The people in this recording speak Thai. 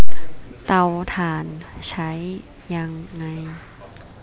เตาถ่านใช้ยังไง